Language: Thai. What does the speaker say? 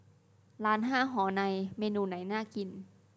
ร้านห้าหอในเมนูไหนน่ากิน